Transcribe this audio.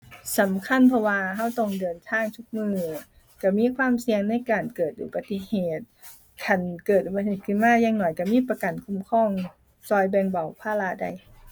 สำคัญเพราะว่าเราต้องเดินทางทุกมื้อ เรามีความเสี่ยงในการเกิดอุบัติเหตุ คันเกิดอุบัติเหตุขึ้นมาอย่างน้อยเรามีประกันคุ้มครอง เราแบ่งเบาภาระได้